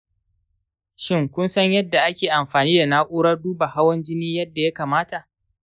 shin, kun san yadda ake amfani da na'urar duba hawan jini yadda ya kamata?